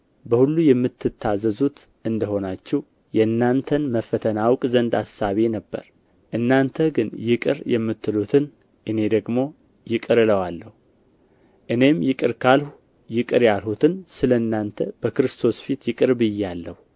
በሁሉ የምትታዘዙ እንደ ሆናችሁ የእናንተን መፈተን አውቅ ዘንድ አሳቤ ነበር እናንተ ግን ይቅር የምትሉትን እኔ ደግሞ ይቅር እለዋለሁ እኔም ይቅር ካልሁ ይቅር ያልሁትን ስለ እናንተ በክርስቶስ ፊት ይቅር ብዬአለሁ